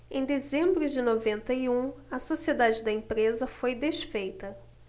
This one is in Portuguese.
em dezembro de noventa e um a sociedade da empresa foi desfeita